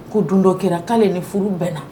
Ko dun dɔ kɛra k'ale ni furu bɛɛna